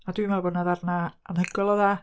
A dwi'n meddwl bod 'na ddarnau anhygoel o dda.